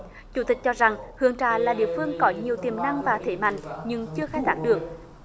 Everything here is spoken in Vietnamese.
chủ tịch cho rằng hương trà là địa phương có nhiều tiềm năng và thế mạnh nhưng chưa khai thác được